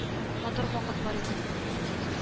— таптың шаккатырлык нәрсә.